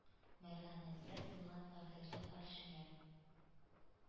Мәлганәтләр тулган фахирле гаршеңә!